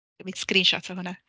Wawn ni screenshot o hwnna.